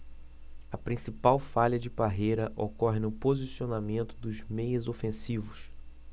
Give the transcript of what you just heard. a principal falha de parreira ocorre no posicionamento dos dois meias ofensivos